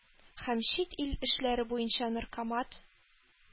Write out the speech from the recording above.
Һәм «чит ил эшләре буенча наркомат